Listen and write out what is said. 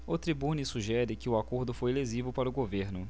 o tribune sugere que o acordo foi lesivo para o governo